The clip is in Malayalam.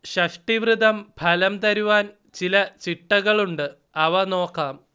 ഷഷ്ഠീവ്രതം ഫലം തരുവാൻ ചില ചിട്ടകളുണ്ട് അവ നോക്കാം